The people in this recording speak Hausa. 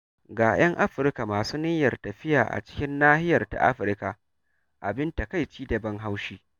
Ga 'yan Afrika masu niyyar tafiya a cikin nahiyar ta Afrika: Abin takaici da ban haushi